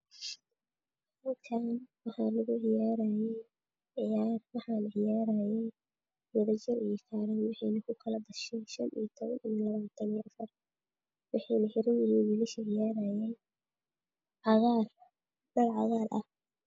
Meeshaani waa lagu ciyaar waxay xiran yihiin Dhar cagaaran ah